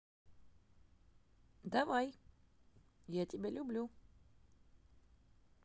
давай я тебя люблю